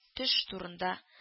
Төш турында